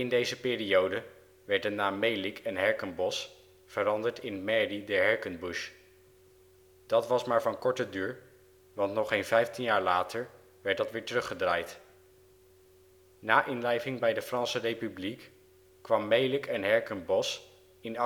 deze periode werd de naam Melick en Herkenbosch veranderd in Mairie de Herkenbusch. Dat was maar van korte duur, want nog geen vijftien jaar later werd dat weer teruggedraaid. Na inlijving bij de Franse Republiek, kwam Melick en Herkenbosch in